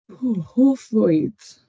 Ww. Hoff fwyd.